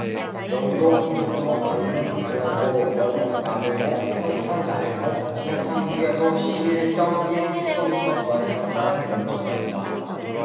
영동고속도로 강릉방향으로 면옥나들목 평창나들목 평창휴게소 십 일 쩜 일 키로미터 구간에서 차량이 멈춰서 있다